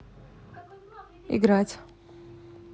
играть